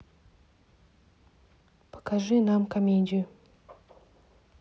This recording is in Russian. покажи нам комедию